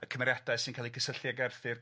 Y cymeriadau sy'n ca'l 'u cysylltu ag Arthur.